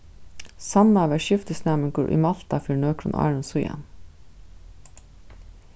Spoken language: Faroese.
sanna var skiftisnæmingur í malta fyri nøkrum árum síðani